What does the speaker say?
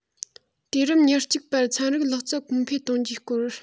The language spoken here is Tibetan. དུས རབས ཉེར གཅིག པར ཚན རིག ལག རྩལ གོང འཕེལ གཏོང རྒྱུའི སྐོར